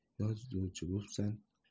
yozuvchi bo'psan